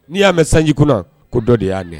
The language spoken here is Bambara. N'i y'a mɛ sanjikunan ko dɔ de y'a nɛ